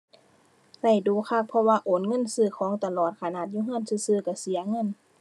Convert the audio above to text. ใช้ดู๋คัก เพราะว่าโอนเงินซื้อของตลอด ขนาดอยู่ใช้ซื่อซื่อใช้เสียเงิน